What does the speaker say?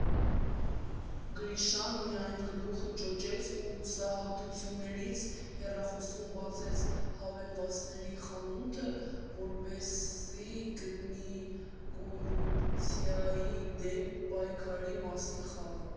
Գրիշան միայն գլուխը ճոճեց ու հուսահատությունից հեռախոսում բացեց հավելվածների խանութը, որպեսզի գտնի կոռուպցիայի դեմ պայքարի մասին խաղը։